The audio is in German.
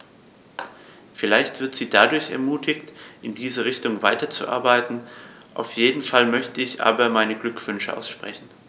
Vielleicht wird sie dadurch ermutigt, in diese Richtung weiterzuarbeiten, auf jeden Fall möchte ich ihr aber meine Glückwünsche aussprechen.